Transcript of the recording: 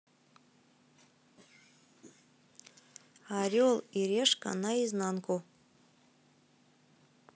орел и решка на изнанку